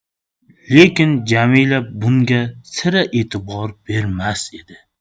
lekin jamila bunga sira e'tibor bermasdi